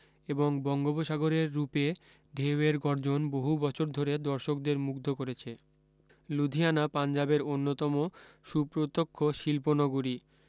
এবং বঙ্গোপসাগরের রূপে ঢেউ এর গর্জন বহু বছর ধরে দর্শকদের মুগ্ধ করছে লুধিয়ানা পাঞ্জাবের অন্যতম সুপ্রত্যক্ষ শিল্প নগরী